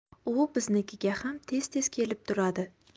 u biznikiga ham tez tez kelib turadi